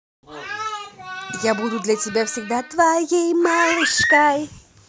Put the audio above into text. я буду для тебя всегда твоей малышкой